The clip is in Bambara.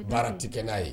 Baara tɛ kɛ n'a ye